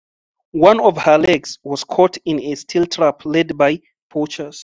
One of her legs was caught in a steel trap laid by poachers.